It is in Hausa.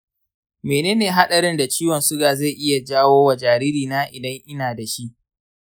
mene ne haɗarin da ciwon suga zai iya jawo wa jaririna idan ina da shi?